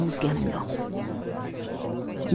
uzganim yo'q